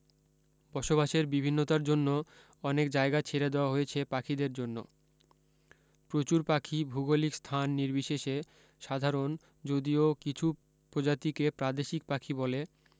বসবাসের বিভিন্নতার জন্য অনেক জায়গা ছেড়ে দেওয়া হয়েছে পাখিদের জন্য প্রচুর পাখিই ভুগোলিক স্থান নির্বিশেষে সাধারণ যদিও কিছু প্রজাতিকে প্রাদেশিক পাখি বলে